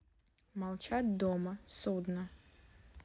молчат дома судно